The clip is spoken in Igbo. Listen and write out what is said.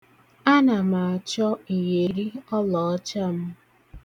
Ana m achọ iyeri ọlọọcha m.